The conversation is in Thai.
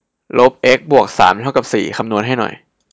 ลบเอ็กซ์บวกสามเท่ากับสี่คำนวณให้หน่อย